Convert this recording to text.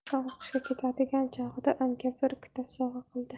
davron o'qishga ketadigan chog'da unga bir kitob sovg'a qildi